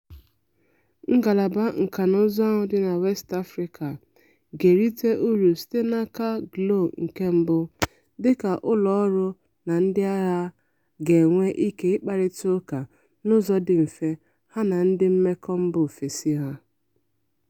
Ngalaba nkànaụzụ ahụ dị na West Africa ga-erite ụrụ site n'aka Glo-1 dịka ụlọọrụ na ndịahịa ga-enwe ike ịkparịta ụka n'ụzọ dị mfe ha na ndị mmekọ mba ofesi ha.